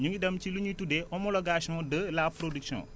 ñu ngi dem ci lu ñuy tuddee homologation de la production